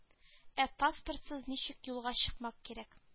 Ә паспортсыз ничек юлга чыкмак кирәк